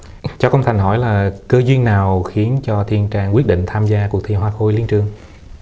cho công thành hỏi là cơ duyên nào khiến cho thiên trang quyết định tham gia cuộc thi hoa khôi liên trường